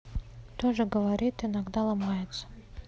тоже говорит иногда ломается